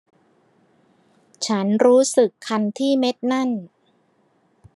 ฉันรู้สึกคันที่เม็ดนั่น